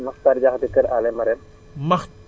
Mokhtar Diakhaté Kër Allé Marème